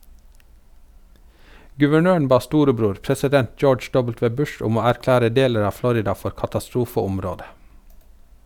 Guvernøren ba storebror, president George W. Bush, om å erklære deler av Florida for katastrofeområde.